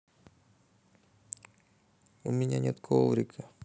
у меня нет коврика